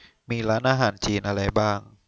มีร้านอาหารจีนอะไรบ้าง